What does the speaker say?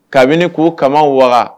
Kabini ko kama wa